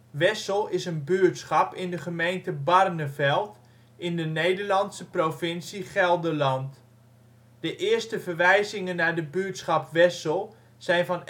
Wessel is een buurtschap in de Gemeente Barneveld in de Nederlandse provincie Gelderland. De eerste verwijzingen naar de buurtschap Wessel zijn van